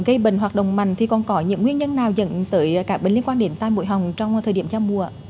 gây bệnh hoạt động mạnh thì còn có những nguyên nhân nào dẫn tới các bên liên quan đến tai mũi họng trong thời điểm giao mùa ạ